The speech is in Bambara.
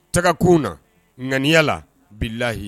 Tagakun na ŋaniya la bilahi